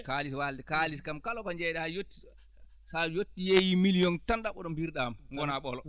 kaalis walde kaalis kam kala ko jeyɗa so yotti sa yotti yeeyi millions tan ɗaɓɓu ɗo mbirɗamo